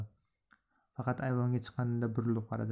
faqat ayvonga chiqqanida burilib qaradi